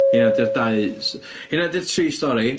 Heina 'di'r dau s-... heina 'di'r tri stori.